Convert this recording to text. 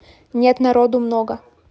нет народу много